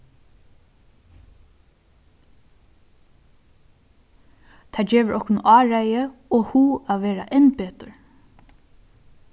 tað gevur okkum áræði og hug at vera enn betur